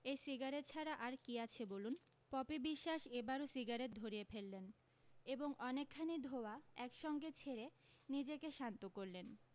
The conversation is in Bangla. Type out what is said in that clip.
এই সিগারেট ছাড়া আর কী আছে বলুন পপি বিশ্বাস এবারও সিগারেট ধরিয়ে ফেললেন এবং অনেকখানি ধোঁয়া একসঙ্গে ছেড়ে নিজেকে শান্ত করলেন